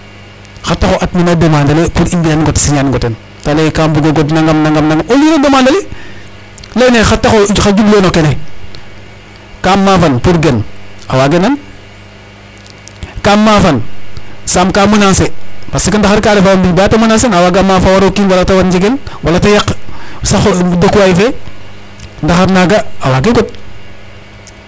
Xar taxu o at mene a demande ale pour i mbi'anong o ten .O signer nga ten ta lay ee kaam bug o god nangam nangam o lire a demande ale layin ee xar taxu xa jublu wo no kene kaam maafan pour gen a waagee nan kaam maafan a yaam ka menancer parce que ndaxar ka refaa o mbiñ bala ta menancer na a waaga maafa war o kiin wala ta war njegel wala ta yaq sax dekuwaay fe ndaxar naaga a waage god .